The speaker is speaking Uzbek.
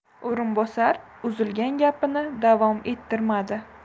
o'rinbosar uzilgan gapini davom ettirmadi